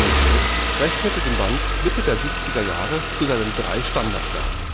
selbst rechnete den Band Mitte der 1970er Jahre zu seinen drei Standardwerken